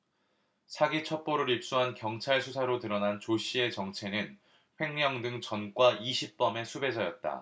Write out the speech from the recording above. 사기 첩보를 입수한 경찰 수사로 드러난 조씨의 정체는 횡령 등 전과 이십 범의 수배자였다